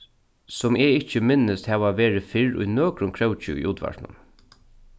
sum eg ikki minnist hava verið fyrr í nøkrum króki í útvarpinum